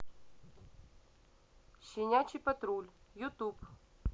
щенячий патруль ютуб